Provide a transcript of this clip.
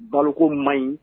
Baloko maɲi